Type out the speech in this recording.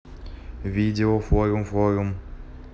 видео форум форум